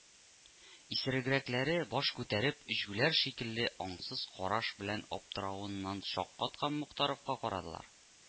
Исерегрәкләре, баш күтәреп, җүләр шикелле аңсыз караш белән аптыравыннан шаккаткан Мохтаровка карадылар